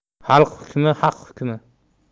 xalq hukmi haq hukmi